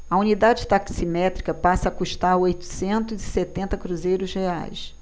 a unidade taximétrica passa a custar oitocentos e setenta cruzeiros reais